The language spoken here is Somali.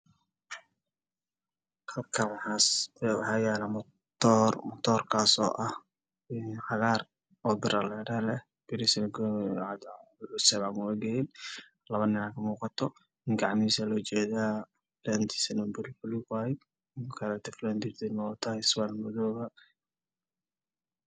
Halkan waxaa yaalla matoor agaar ah taagan niman waana beer niman ayaa ag jooga